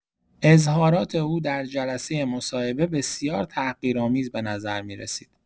اظهارات او در جلسه مصاحبه بسیار تحقیرآمیز به نظر می‌رسید.